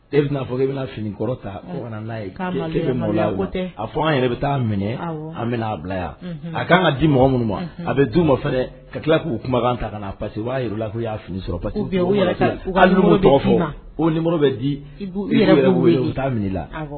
E bɛ'a fɔ e bɛna finikɔrɔ ta' bɛ a fɔ' yɛrɛ bɛ taa minɛ an bɛna'a bila yan a' ka di mɔgɔ minnu ma a bɛ du ma fɛ ka tila k'u kumakan kan ta ka parce b'a yɛrɛla k y'a fini sɔrɔ pa tɔgɔ fɔ ko ni bɛ di u' minɛla